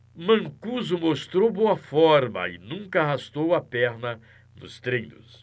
mancuso mostrou boa forma e nunca arrastou a perna nos treinos